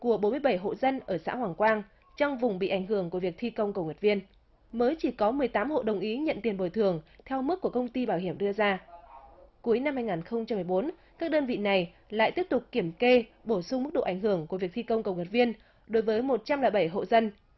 của bốn mươi bảy hộ dân ở xã hoằng quang trong vùng bị ảnh hưởng của việc thi công cầu nguyệt viên mới chỉ có mười tám hộ đồng ý nhận tiền bồi thường theo mức của công ty bảo hiểm đưa ra cuối năm hai ngàn không trăm mười bốn các đơn vị này lại tiếp tục kiểm kê bổ sung mức độ ảnh hưởng của việc thi công cầu nguyệt viên đối với một trăm lẻ bảy hộ dân